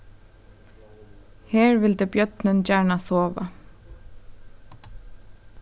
her vildi bjørnin gjarna sova